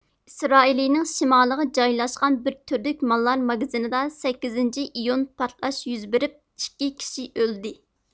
ئىسرائىلىيىنىڭ شىمالىغا جايلاشقان بىر تۈرلۈك ماللار ماگىزىنىدا سەككىزىنچى ئىيۇن پارتلاش يۈز بېرىپ ئىككى كىشى ئۆلدى